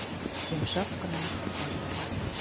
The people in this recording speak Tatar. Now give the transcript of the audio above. Йомшак кына кар ява.